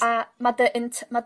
...a ma' dy int- ma'